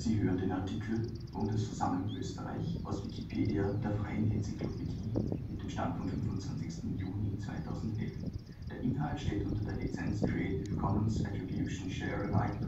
hören den Artikel Bundesversammlung (Österreich), aus Wikipedia, der freien Enzyklopädie. Mit dem Stand vom Der Inhalt steht unter der Lizenz Creative Commons Attribution Share Alike